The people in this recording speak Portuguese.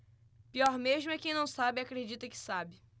pior mesmo é quem não sabe e acredita que sabe